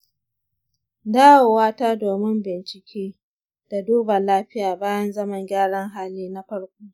dawowata domin bincike da duba lafiya bayan zaman gyaran hali na farko.